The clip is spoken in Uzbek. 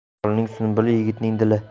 ayolning sunbuli yigitning dili